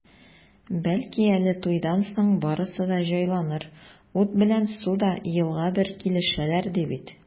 Бәлки әле туйдан соң барысы да җайланыр, ут белән су да елга бер килешәләр, ди бит.